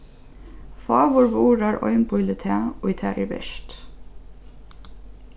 fáur vurðar einbýli tað ið tað er vert